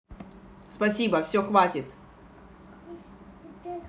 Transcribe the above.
спасибо все хватит